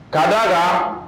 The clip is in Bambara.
'a da a la